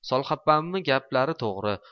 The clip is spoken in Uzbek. solxapammi gaplari to'g'ri